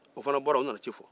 o fana bɔra o nana ci fɔ